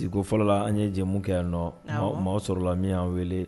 S fɔlɔla an ye jɛmu kɛ nɔ mɔgɔ sɔrɔla la min y'a wele